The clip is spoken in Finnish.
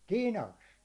tinasta